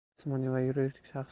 jismoniy va yuridik